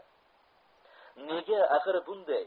nega axir bunday